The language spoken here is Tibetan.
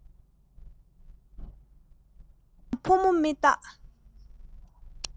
ན མཉམ ཕོ མོ མི རྟག